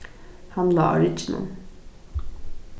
hann lá á rygginum